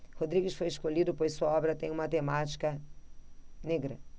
rodrigues foi escolhido pois sua obra tem uma temática negra